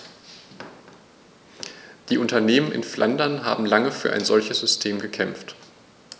Die Unternehmen in Flandern haben lange für ein solches System gekämpft.